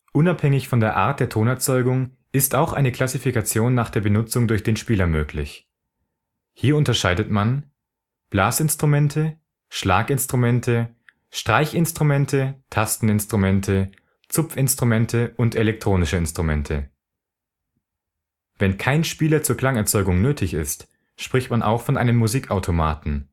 Unabhängig von der Art der Tonerzeugung ist auch eine Klassifikation nach der Benutzung durch den Spieler möglich. Hier unterscheidet man: Blasinstrumente Schlaginstrumente Streichinstrumente Tasteninstrumente Zupfinstrumente elektronische Instrumente Wenn kein Spieler zur Klangerzeugung nötig ist, spricht man auch von einem Musikautomaten